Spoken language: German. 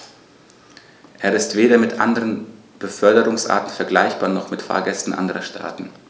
Er ist weder mit anderen Beförderungsarten vergleichbar, noch mit Fahrgästen anderer Staaten.